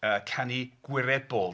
Canu gwirebol.